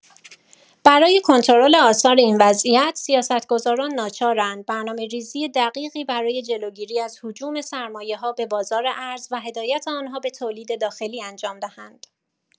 برای کنترل آثار این وضعیت، سیاست‌گذاران ناچارند برنامه‌ریزی دقیقی برای جلوگیری از هجوم سرمایه‌‌ها به بازار ارز و هدایت آنها به تولید داخلی انجام دهند.